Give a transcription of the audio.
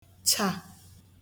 chà